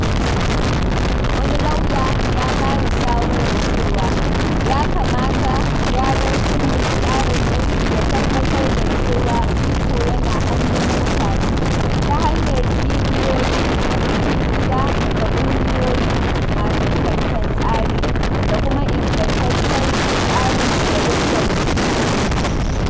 Wani lauya ya ba da shawarar cewa ya kamata gyaran kundin tsarin mulki ya tabbatar da cewa iko yana hannun mutane, ta hanyar cibiyoyi na cikin gida da ƙungiyoyii masu cikakken tsari, da kuma ingantaccen tsarin majalisar gunduma.